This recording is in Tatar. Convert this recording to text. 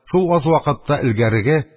Шул аз вакытта элгәреге,